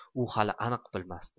u hali aniq bilmasdi